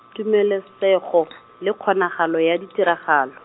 Tumelesego, le kgonagalo ya ditiragalo.